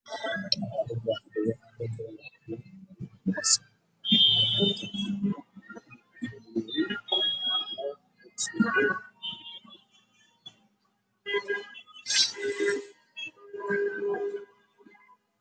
Waa niman iyo ilmo